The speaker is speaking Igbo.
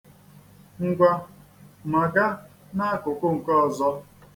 Ngwa, maga n'akụkụ nke ọzọ.